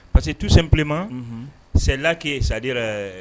Parce que tout simplement, unhun . celle la que ça dire ɛɛ.